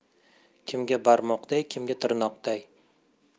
kimga barmoqday kimga tirnoqday